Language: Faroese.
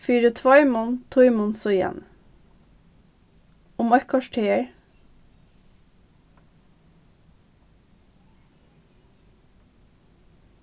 fyri tveimum tímum síðan um eitt korter